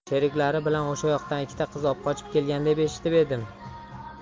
sheriklari bilan o'sha yoqdan ikkita qiz obqochib kelgan deb eshitib edim